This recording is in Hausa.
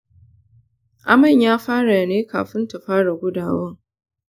aman ya fara ne kafun ta fara gudawan